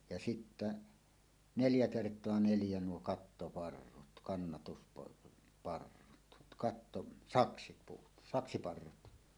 ja sitten neljä kertaa neljä nuo kattoparrut - kannatusparrut katto saksipuut saksiparrut